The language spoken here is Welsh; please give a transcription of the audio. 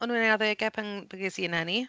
O'n nhw yn eu arddegau pan pan ges i ngeni.